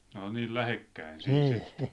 ne on niin lähekkäin sitten